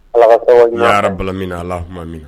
Ala ka sababu ɲuman kan ye yarabli amina alaouma amine.